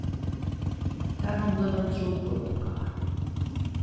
hetta kann blíva ein trupul uppgáva